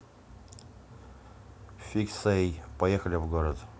fixeye поехали в город